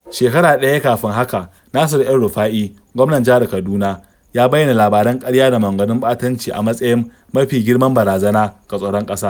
Shekara ɗaya kafin haka, Nasir El-Rufa'I, gwamnan jihar Kaduna, ya bayyana labaran ƙarya da maganganun ɓatanci a matsayin "mafi girman barazana" ga tsaron ƙasa.